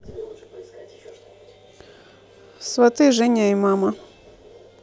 сваты женя и мама